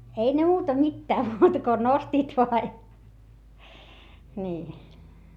ei ne muuta mitään muuta kuin nostivat vain ja niin